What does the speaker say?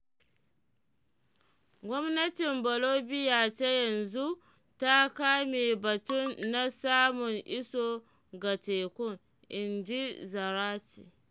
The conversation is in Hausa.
“Gwamnatin Bolivia ta yanzun ta kame batun na samun iso ga tekun,” inji Zárate.